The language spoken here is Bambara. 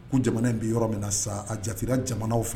Ko Jamana in bɛ yɔrɔ min na sa a jatera jamanaw fɛ